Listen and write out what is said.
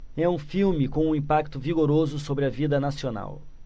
é um filme com um impacto vigoroso sobre a vida nacional